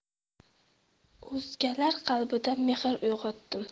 o'zgalar qalbida mehr uyg'otdim